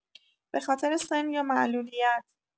به‌خاطر سن یا معلولیت